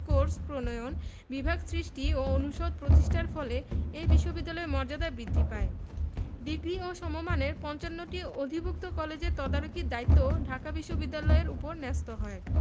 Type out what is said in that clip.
course প্রণয়ন বিভাগ সৃষ্টি ও অনুষদ প্রতিষ্ঠার ফলে এ বিশ্ববিদ্যালয়ের মর্যাদা বৃদ্ধি পায় ডিগ্রি ও সমমানের ৫৫টি অধিভুক্ত কলেজের তদারকির দায়িত্বও ঢাকা বিশ্ববিদ্যালয়ের ওপর ন্যস্ত হয়